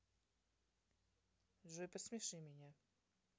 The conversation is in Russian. джой посмеши меня